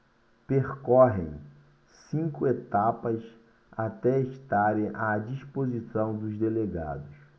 percorrem cinco etapas até estarem à disposição dos delegados